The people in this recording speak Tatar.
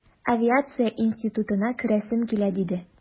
Авиация институтына керәсем килә, диде...